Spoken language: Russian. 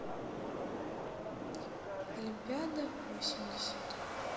олимпиада восемьдесят